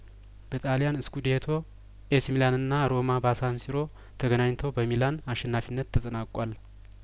በጣልያን ስኩዴቶ ኤሲሚላንና ሮማ በሳንሲሮ ተገናኝተው በሚላን አሸናፊነት ተጠናቋል